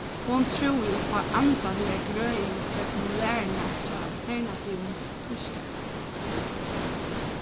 hon trúði upp á andaliga grøðing ígjøgnum læruna hjá alternativum týskara